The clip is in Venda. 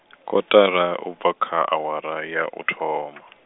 kotara u bva kha, awara ya u thoma.